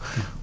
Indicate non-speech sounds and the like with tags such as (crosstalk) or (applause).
(breath) (hesitation)